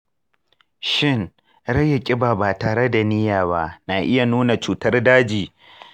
shin rage kiba ba tare da niyya ba na iya nuna cutar daji?